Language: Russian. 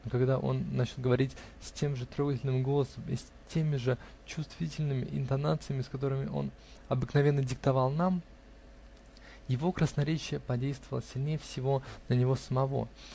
но когда он начал говорить тем же трогательным голосом и с теми же чувствительными интонациями, с которыми он обыкновенно диктовал нам, его красноречие подействовало сильнее всего на него самого